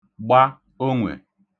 gba onwè